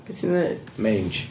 Be ti'n deud?... Mange